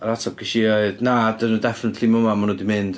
Yr ateb ges i oedd, "na dydyn nhw definitely ddim yma, maen nhw 'di mynd".